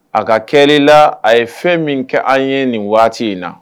A ka kɛ la a ye fɛn min kɛ an ye nin waati in na